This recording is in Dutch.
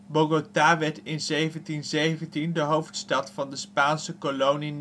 Bogota werd in 1717 de hoofdstad van de Spaanse kolonie